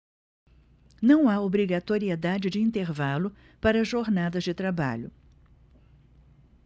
não há obrigatoriedade de intervalo para jornadas de trabalho